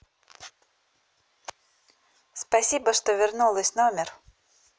спасибо что вернулось номер